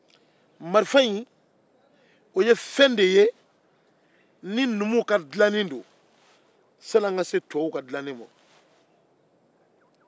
marifa ye numuw ka dilali de ye sani an ka tubabuw ka dilali ma